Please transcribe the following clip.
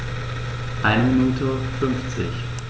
Eine Minute 50